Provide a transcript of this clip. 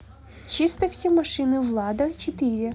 чисто все машины влада а четыре